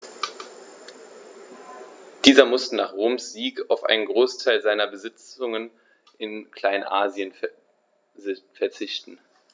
Dieser musste nach Roms Sieg auf einen Großteil seiner Besitzungen in Kleinasien verzichten.